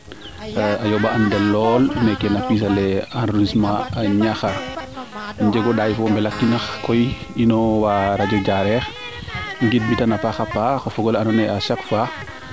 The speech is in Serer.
a yoomba an den lool meeke na piisale arrodissement Niakhar i njego ndaay fo o mbela kinax koy ino wa radio Diarekh ngid mi tan a paaxa paax o fogole ando naye a chaque fois